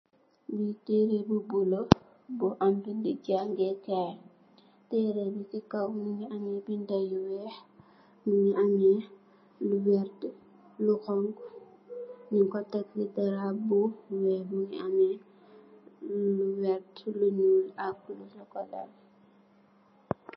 Li teereh bu bulo bu am bindi jangeekaay. Teereh bi ci kaw mungi ameh binda yu weeh, mungi ameh lu vert, lu honku. Nung ko tekk darap bu weeh. Mungi ameh lu vert, lu ñuul ak lu sokola.